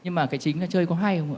nhưng mà cái chính là chơi có hay không ạ